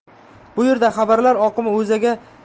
bu yerda xabarlar oqimi